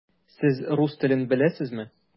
Сез рус телен беләсезме?